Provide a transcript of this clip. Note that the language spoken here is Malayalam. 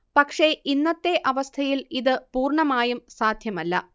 പക്ഷെ ഇന്നത്തെ അവസ്ഥയിൽ ഇത് പൂർണമായും സാധ്യമല്ല